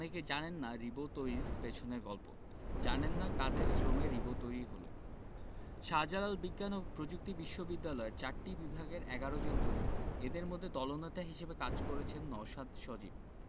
অনেকেই জানেন না রিবো তৈরির পেছনের গল্প জানেন না কাদের শ্রমে রিবো তৈরি হলো শাহজালাল বিজ্ঞান ও প্রযুক্তি বিশ্ববিদ্যালয়ের চারটি বিভাগের ১১ জন তরুণ এদের মধ্যে দলনেতা হিসেবে কাজ করেছেন নওশাদ সজীব